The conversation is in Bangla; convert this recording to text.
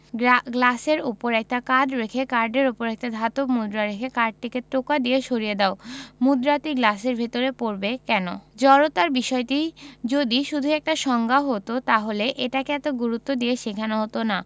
গ্লাসের উপর একটা কার্ড রেখে কার্ডের উপর একটা ধাতব মুদ্রা রেখে কার্ডটিকে টোকা দিয়ে সরিয়ে দাও মুদ্রাটি গ্লাসের ভেতর পড়বে কেন জড়তার বিষয়টি যদি শুধু একটা সংজ্ঞা হতো তাহলে এটাকে এত গুরুত্ব দিয়ে শেখানো হতো না